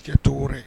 Cɛ to wɛrɛ ye